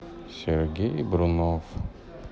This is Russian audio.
сергей брунов